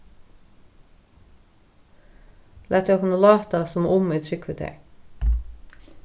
latið okkum nú látast sum um eg trúgvi tær